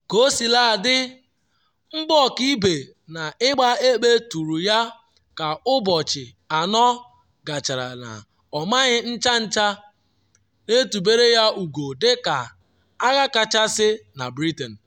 Kaosiladị, mgbọ ọkaibe n’ịgba egbe tụrụ ya ka ụbọchị anọ gachara na ọ maghị ncha ncha na etubere ya ugo ndị agha kachasị na Britain.